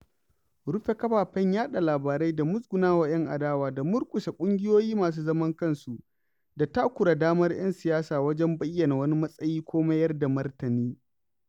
Rufe kafafen yaɗa labarai da muzgunawa 'yan adawa da murƙushe ƙungiyoyi masu zaman kansu da takura damar 'yan siyasa wajen bayyana wani matsayi ko mayar da martani.